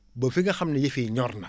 ba fi nga xam ne yëf yi ñor na